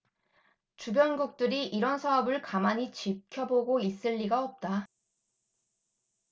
주변국들이 이런 사업을 가만히 지켜보고 있을 리가 없다